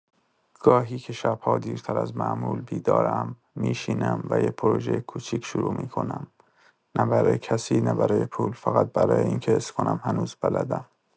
گاهی که شب‌ها دیرتر از معمول بیدارم، می‌شینم و یه پروژۀ کوچیک شروع می‌کنم، نه برای کسی، نه برای پول، فقط برای اینکه حس کنم هنوز بلدم.